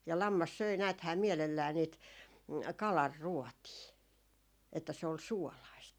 ja lammas söi näethän mielellään niitä kalanruotia että se oli suolaista